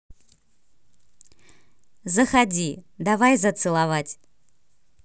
заходи давай зацеловать